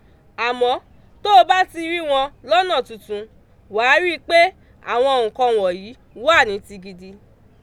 Àmọ́, tó o bá ti rí wọn lọ́nà tuntun, wàá rí i pé àwọn nǹkan wọ̀nyí wà ní ti gidi.